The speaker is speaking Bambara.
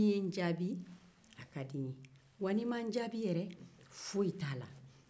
n'i ye n jaabi a ka di n ye nka n'i ma n jaabi foyi t'a la